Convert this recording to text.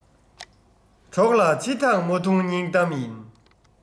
གྲོགས ལ ཕྱི ཐག མ ཐུང སྙིང གཏམ ཡིན